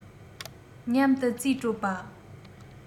མཉམ དུ རྩིས སྤྲོད པ